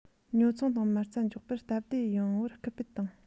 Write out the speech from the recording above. ཉོ ཚོང དང མ རྩ འཇོག པར སྟབས བདེ ཡོང བར སྐུལ སྤེལ བཏང